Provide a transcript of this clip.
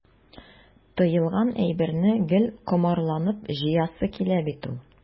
Тыелган әйберне гел комарланып җыясы килә бит ул.